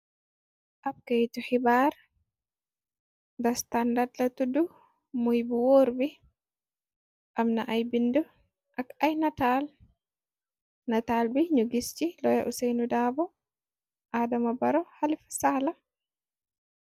Ab kaytu xibaar dastàndad la tudd muy bu wóor bi amna ay bind ak ay nataal bi ñu gis ci looya useenu daabo aadama baro xalifa saala.